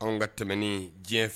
An ka tɛmɛnen diɲɛ fɛ